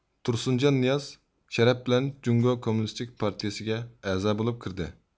تۇرسۇنجان نىياز شەرەپ بىلەن جۇڭگو كوممۇنىستىك پارتىيىسىگە ئەزا بولۇپ كىردى